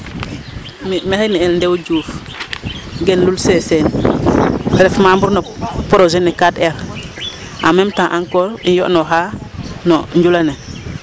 Mi maxey ne'e Ndew Diouf gen Lul seseen ref membre no projet ne 4 R en meme temps encore yo'nooxa noo njula ne